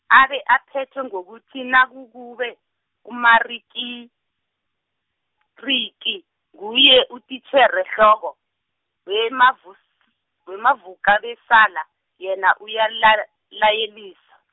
abe aphethe ngokuthi nakukube, uMarikiriki, nguye utitjherehloko, weMavus- weMavukabesala, yena uyalal- layelisa.